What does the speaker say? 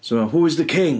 So, who is the king?